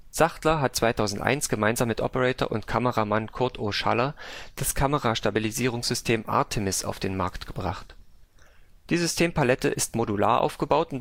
Sachtler hat 2001 gemeinsam mit Operator und Kameramann Curt O. Schaller das Kamera-Stabilisierungs-System artemis auf den Markt gebracht. Die Systempalette ist modular aufgebaut